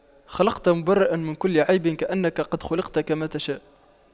خلقت مُبَرَّأً من كل عيب كأنك قد خُلقْتَ كما تشاء